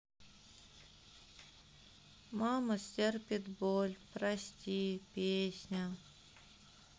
мама стерпит боль прости песня